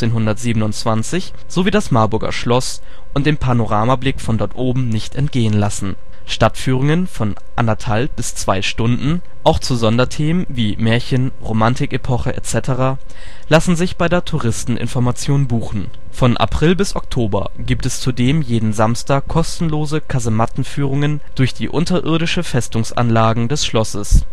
1527 sowie das Marburger Schloss und den Panoramablick von dort oben nicht entgehen lassen. Stadtführungen von 1,5-2 Stunden (auch zu Sonderthemen wie Märchen, Romantikepoche etc.) lassen sich bei der Touristen-Information buchen. Von April bis Oktober gibt es zudem jeden Samstag kostenlose Kasematten-Führungen durch die unterirdischen Festungsanlagen des Schlosses